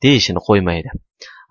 deyishini qo'ymaydi